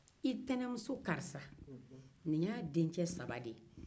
nin y'i tɛnɛnmuso karisa dencɛ saba de ye